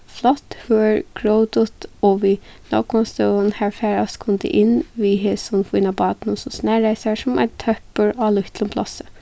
flott hørð grótut og við nógvum støðum har farast kundi inn við hesum fína bátinum sum snaraði sær sum ein tøppur á lítlum plássi